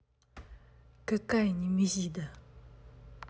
какая немезида